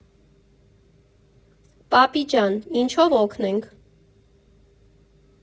֊ Պապի ջան, ինչով օգնենք։